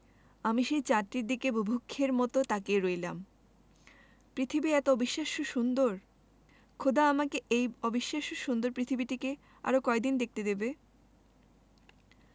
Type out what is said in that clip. আমি সেই চাঁদটির দিকে বুভুক্ষের মতো তাকিয়ে রইলাম পৃথিবী এতো অবিশ্বাস্য সুন্দর খোদা আমাকে এই অবিশ্বাস্য সুন্দর পৃথিবীটিকে আরো কয়দিন দেখতে দেবে